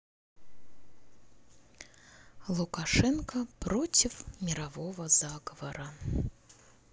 лукашенко против мирового заговора